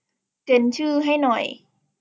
เจนชื่อให้หน่อย